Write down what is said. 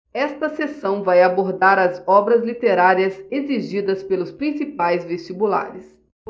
esta seção vai abordar as obras literárias exigidas pelos principais vestibulares